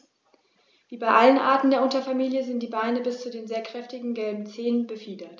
Wie bei allen Arten der Unterfamilie sind die Beine bis zu den sehr kräftigen gelben Zehen befiedert.